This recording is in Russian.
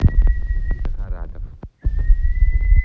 никита харатов